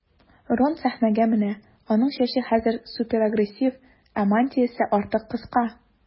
Рон сәхнәгә менә, аның чәче хәзер суперагрессив, ә мантиясе артык кыска.